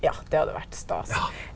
ja det hadde vore stas.